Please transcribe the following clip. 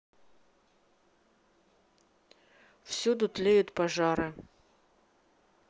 всюду тлеют пожары